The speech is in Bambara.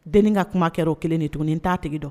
Den ka kuma kɛ o kelen de tun nin ta tigi dɔn